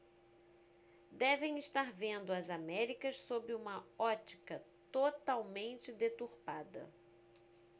devem estar vendo as américas sob uma ótica totalmente deturpada